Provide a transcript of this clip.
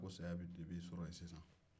k o saya bɛ o dennin sɔrɔ sisan